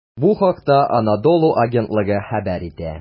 Бу хакта "Анадолу" агентлыгы хәбәр итә.